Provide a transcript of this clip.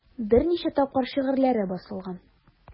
Берничә тапкыр шигырьләре басылган.